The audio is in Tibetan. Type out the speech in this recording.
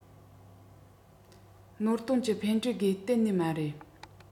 ནོར དོན གྱི ཕན འབྲས དགོས གཏན ནས མ རེད